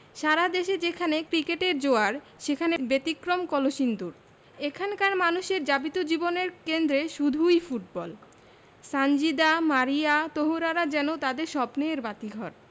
সারা দেশে যেখানে ক্রিকেটের জোয়ার সেখানে ব্যতিক্রম কলসিন্দুর এখানকার মানুষের যাপিত জীবনের কেন্দ্রে শুধুই ফুটবল সানজিদা মারিয়া তহুরারা যেন তাদের স্বপ্নের বাতিঘর